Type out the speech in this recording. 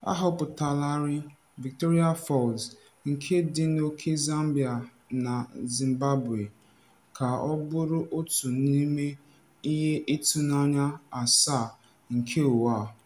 Ahọpụtalarị Victoria Falls nke dị n'ókè Zambia na Zimbabwe ka ọ bụrụ otu n'ime ihe ịtụnanya asaa nke ụwa.